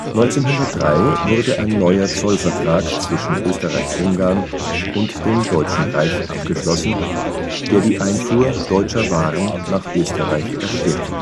1903 wurde ein neuer Zollvertrag zwischen Österreich-Ungarn und dem Deutschen Reich abgeschlossen, der die Einfuhr deutscher Waren nach Österreich erschwerte